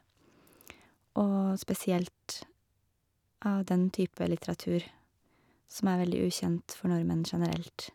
Og spesielt av den type litteratur, som er veldig ukjent for nordmenn generelt.